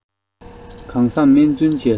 གང བཟང སྨན བཙུན མཇལ ས